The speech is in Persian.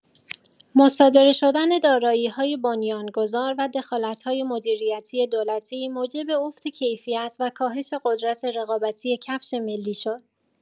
مصادره شدن دارایی‌های بنیان‌گذار و دخالت‌های مدیریتی دولتی موجب افت کیفیت و کاهش قدرت رقابتی کفش ملی شد.